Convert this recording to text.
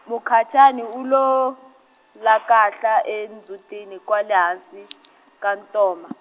Mukhacani u lo, lakahla endzhutini kwale hansi, ka ntoma.